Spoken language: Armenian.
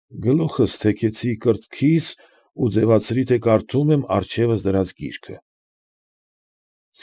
Գլուխս թեքեցի կրծքիս ու ձևացրի, թե կարդում եմ առջևս դրած գիրքը։